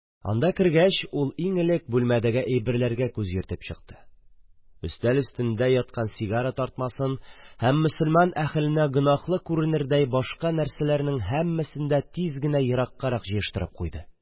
Анда кергәч, ул иң элек бүлмәдәге әйберләргә күз йөртеп чыкты, өстәл өстендә яткан сигара тартмасын һәм мосылман әһеленә гөнаһлы күренердәй башка нәрсәләрне һәммәсен дә тиз генә ераккарак җыештырып куйды.